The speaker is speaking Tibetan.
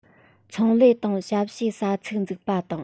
ཚོང ལས དང ཞབས ཞུའི ས ཚིགས འཛུགས པ དང